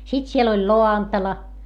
sitten siellä oli lantala